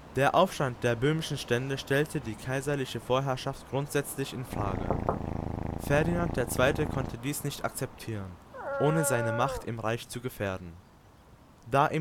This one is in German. Der Aufstand der böhmischen Stände stellte die kaiserliche Vorherrschaft grundsätzlich in Frage. Ferdinand II. konnte dies nicht akzeptieren, ohne seine Macht im Reich zu gefährden. Da